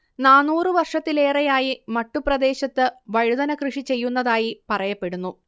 നാനൂറ് വർഷത്തിലേറെയായി മട്ടുപ്രദേശത്ത് വഴുതന കൃഷി ചെയ്യുന്നതായി പറയപ്പെടുന്നു